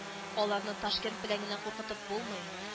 Аларны Ташкент белән генә куркытып булмый